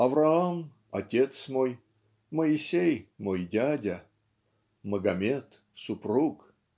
Авраам - отец мой, Моисей - мой дядя, Магомет - супруг".